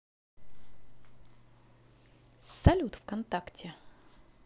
салют вконтакте